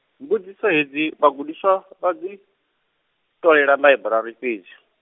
mbudziso hedzi, vhagudiswa vha dzi, ṱolela ḽaiburari fhedzi.